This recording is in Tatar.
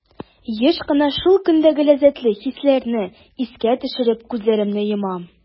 Еш кына шул көндәге ләззәтле хисләрне искә төшереп, күзләремне йомам.